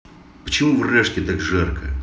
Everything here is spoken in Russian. почему в рашке так жарко